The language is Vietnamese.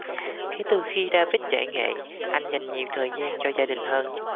kể từ khi david giải nghệ anh dành nhiều thời gian cho gia đình hơn